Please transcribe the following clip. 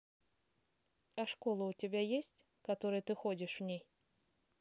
а школа у тебя есть которые ты ходишь в ней